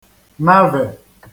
navè